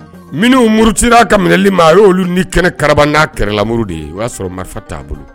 Minnu muruti a ka minɛli ma a y ye' oluolu ni kɛnɛ kararaba n'a kɛlɛlamuru de ye o y'a sɔrɔ marifa t'a bolo